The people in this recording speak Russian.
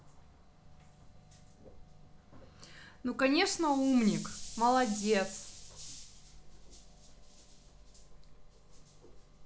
ну конечно умник молодец